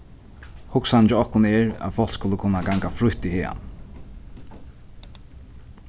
hugsanin hjá okkum er at fólk skulu kunna ganga frítt í haganum